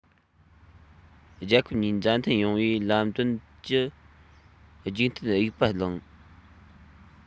རྒྱལ ཁབ གཉིས མཛའ མཐུན ཡོང བའི ལས དོན གྱི རྒྱུག མཐུད དབྱུག པ བླངས